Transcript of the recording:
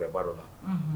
A baara la